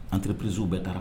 An terire perezsiww bɛɛ taara